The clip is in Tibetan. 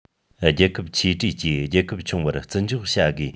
རྒྱལ ཁབ ཆེ གྲས ཀྱིས རྒྱལ ཁབ ཆུང བར བརྩི འཇོག བྱ དགོས